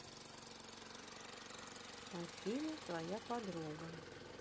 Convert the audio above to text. афина твоя подруга